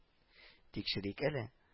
—тикшерик әле